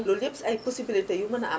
loolu yëpp si ay possibilités yu mën a a